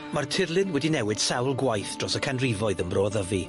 Ma'r tirlun wedi newid sawl gwaith dros y canrifoedd ym Mro Ddyfi.